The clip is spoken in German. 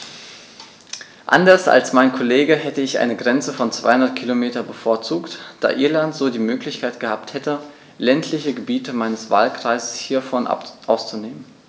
Anders als mein Kollege hätte ich eine Grenze von 200 km bevorzugt, da Irland so die Möglichkeit gehabt hätte, ländliche Gebiete meines Wahlkreises hiervon auszunehmen.